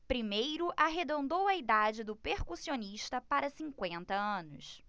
primeiro arredondou a idade do percussionista para cinquenta anos